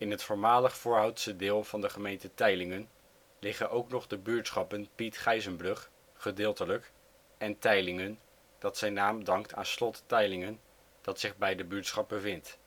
het voormalig-Voorhoutse deel van de gemeente Teylingen liggen ook nog de buurtschappen Piet Gijzenbrug (gedeeltelijk) en Teijlingen, dat zijn naam dankt aan slot Teylingen dat zich bij de buurtschap bevindt